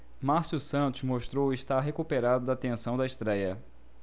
márcio santos mostrou estar recuperado da tensão da estréia